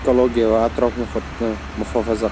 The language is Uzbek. ekologiya va atrof muhitni muhofaza